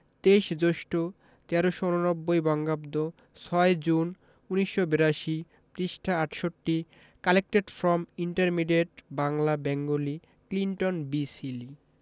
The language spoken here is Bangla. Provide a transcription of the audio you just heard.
২৩ জ্যৈষ্ঠ ১৩৮৯ বঙ্গাব্দ/৬ জুন ১৯৮২ পৃষ্ঠাঃ ৬৮ collected from intermediate Bangla Bengali Clinton B Seely